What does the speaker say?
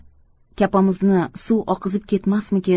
kapamizni suv oqizib ketmasmikin